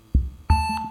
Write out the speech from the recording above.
Aa